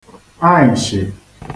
anyìshị̀